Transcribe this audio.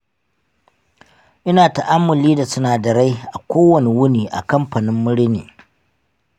ina ta'amulli da sinadarai a kowane wuni a kamfanin rini